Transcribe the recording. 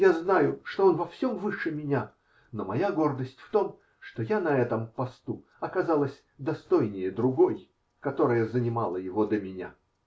Я знаю, что он всем выше меня, но моя гордость в том, что я на этом посту оказалась достойнее другой, которая занимала его до меня.